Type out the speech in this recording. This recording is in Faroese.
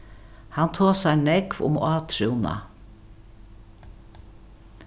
hann tosar nógv um átrúnað